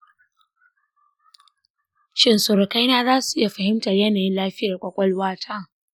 shin surukaina za su iya fahimtar yanayin lafiyar ƙwaƙwalwa ta?